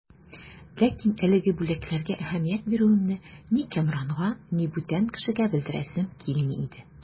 Ләкин әлеге бүләкләргә әһәмият бирүемне ни Кәмранга, ни бүтән кешегә белдерәсем килми иде.